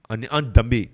Ani an danbebe